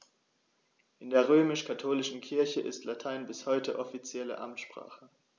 In der römisch-katholischen Kirche ist Latein bis heute offizielle Amtssprache.